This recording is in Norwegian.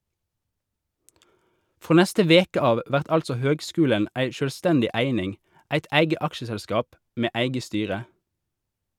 Frå neste veke av vert altså høgskulen ei sjølvstendig eining, eit eige aksjeselskap med eige styre.